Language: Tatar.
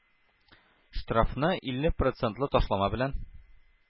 Штрафны илле процентлы ташлама белән,